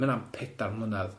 Ma' hynna'n pedair mlynedd.